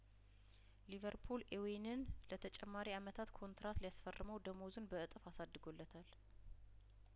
ሊቨርፑል ኤዌንን ለተጨማሪ አመታት ኮንትራት ሊያስፈርመው ደሞዙን በእጥፍ አሳድጐለታል